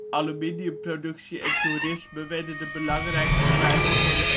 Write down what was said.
Aluminiumproductie en toerisme werden de belangrijkste pijlers van de